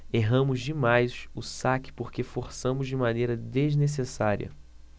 erramos demais o saque porque forçamos de maneira desnecessária